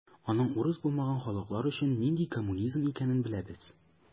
Аның урыс булмаган халыклар өчен нинди коммунизм икәнен беләбез.